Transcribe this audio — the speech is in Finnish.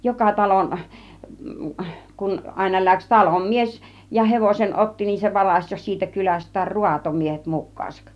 joka talon kun aina lähti talon mies ja hevosen otti niin se varasi jo siitä kylästään raatomiehet mukaansa